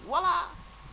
voilà